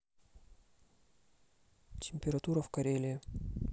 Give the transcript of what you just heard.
температура в карелии